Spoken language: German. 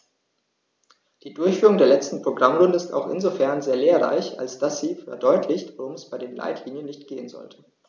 Die Durchführung der letzten Programmrunde ist auch insofern sehr lehrreich, als dass sie verdeutlicht, worum es bei den Leitlinien nicht gehen sollte.